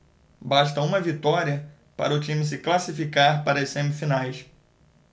basta uma vitória para o time se classificar para as semifinais